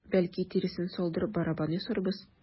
Бәлки, тиресен салдырып, барабан ясарбыз?